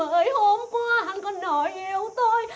mới hôm qua hắn còn nói yêu tôi